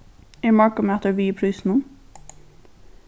er morgunmatur við í prísinum